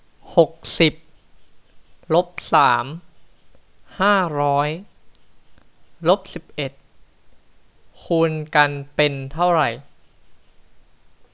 หกสิบลบสามห้าร้อยลบสิบเอ็ดคูณกันเป็นเท่าไหร่